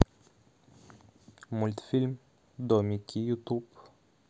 мультфильм домики ютуб